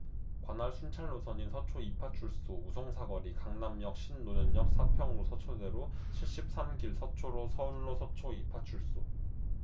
관할 순찰 노선인 서초 이 파출소 우성사거리 강남역 신논현역 사평로 서초대로 칠십 삼 길 서초로 서운로 서초 이 파출소